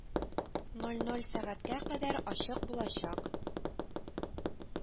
Ноль ноль сәгатькә кадәр ачык булачак